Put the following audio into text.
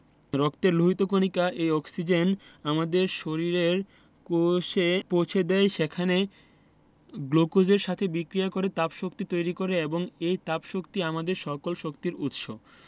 রক্তের লোহিত কণিকা এই অক্সিজেন আমাদের শরীরের কোষে পৌছে দেয় সেখানে গ্লুকোজের সাথে বিক্রিয়া করে তাপশক্তি তৈরি করে এবং এই তাপশক্তি আমাদের সকল শক্তির উৎস